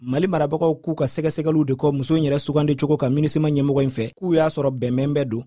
mali marabagaw k'u ka sɛgɛsɛgɛliw de kɔ muso in yɛrɛ sugandicogo kan munisma ɲɛmɔgɔ in fɛ ko u y'a sɔrɔ ko bɛnbɛnbɛn don